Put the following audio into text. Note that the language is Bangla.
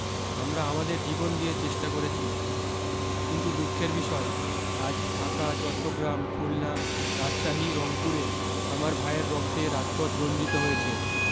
আমরা আমাদের জীবন দিয়ে চেষ্টা করেছি কিন্তু দুঃখের বিষয় আজ ঢাকা চট্রগ্রাম খুলনা রাজশাহী রংপুরে আমার ভাইয়ের রক্তে রাজপথ রঞ্জিত হয়েছে